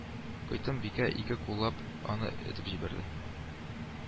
Койтым бикә ике куллап аны этеп җибәрде